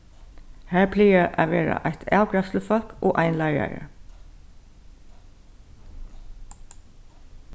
har plagar at vera eitt avgreiðslufólk og ein leiðari